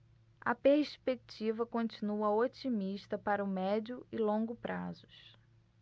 a perspectiva continua otimista para o médio e longo prazos